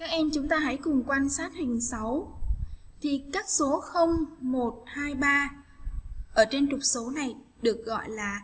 chúng ta hãy cùng quan sát hình chỉ các số ở trên trục số này được gọi là